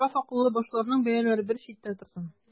Битараф акыллы башларның бәяләре бер читтә торсын.